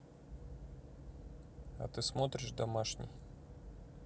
а ты смотришь домашний